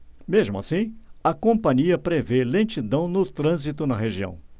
mesmo assim a companhia prevê lentidão no trânsito na região